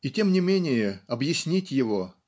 И тем не менее объяснить его